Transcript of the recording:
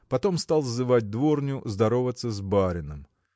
потом стал сзывать дворню здороваться с барином.